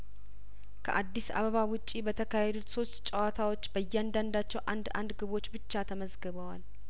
ከአዲስ አበባ ውጪ በተካሄዱት ሶስት ጨዋታዎች በእያንዳንዳቸው አንድ አንድ ግቦች ብቻ ተመዝግበዋል